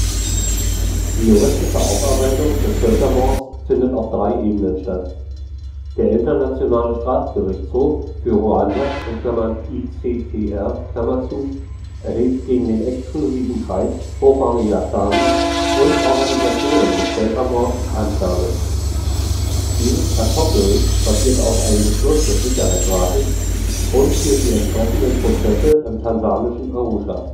Die juristische Aufarbeitung des Völkermords findet auf drei Ebenen statt. Der Internationale Strafgerichtshof für Ruanda (ICTR) erhebt gegen den exklusiven Kreis hochrangiger Planer und Organisatoren des Völkermords Anklage. Dieses Ad-hoc-Gericht basiert auf einem Beschluss des Sicherheitsrates und führt die entsprechenden Prozesse im tansanischen Arusha